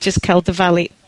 ...jys ca'l dyfalu.